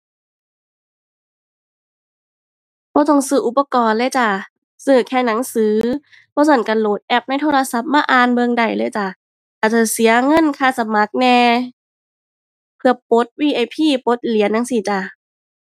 บ่ต้องซื้ออุปกรณ์เลยจ้า ซื้อแค่หนังสือ บ่ซั้นก็โหลดแอปในโทรศัพท์มาอ่านเบิ่งได้เลยจ้า อาจจะเสียเงินค่าสมัครแหน่ เพื่อปลด VIP ปลดเหรียญจั่งซี้จ้า